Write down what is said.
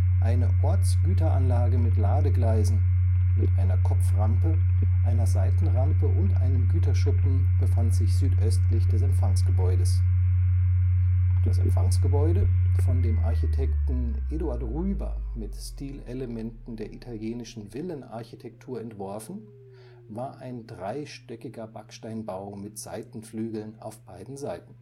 Eine Ortsgüteranlage mit Ladegleisen, mit einer Kopframpe, einer Seitenrampe und einem Güterschuppen befand sich südöstlich des Empfangsgebäudes. Das Empfangsgebäude, von dem Architekten Eduard Rüber mit Stilelementen der italienischen Villenarchitektur entworfen, war ein dreistöckiger Backsteinbau mit Seitenflügeln auf beiden Seiten